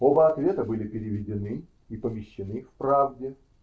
Оба ответа были переведены и помещены в "Правде".